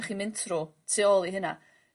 dych chi'n myn' trw tu ôl i hynna